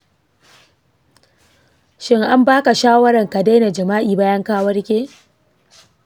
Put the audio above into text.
shin an baka shawarar ka daina jima'i bayan ka warke?